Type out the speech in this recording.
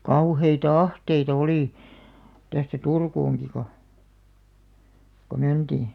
kauheita ahteita oli tästä Turkuunkin kun kun mentiin